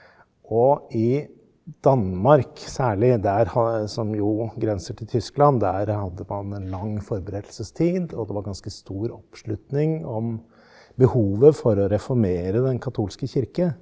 og i Danmark særlig der som jo grenser til Tyskland der hadde man en lang forberedelsestid og det var ganske stor oppslutning om behovet for å reformere den katolske kirke.